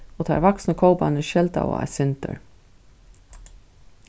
og teir vaksnu kóparnir skeldaðu eitt sindur